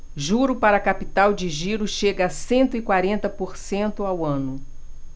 juro para capital de giro chega a cento e quarenta por cento ao ano